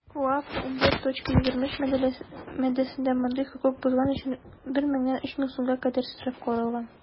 КоАП 11.23 маддәсендә мондый хокук бозган өчен 1 меңнән 3 мең сумга кадәр штраф каралган.